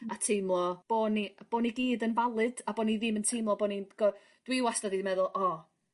A teimlo bo' ni bo' ni gyd yn valid a bo' ni ddim yn teimlo bo' ni'n gorff- dw i wastad 'di meddwl o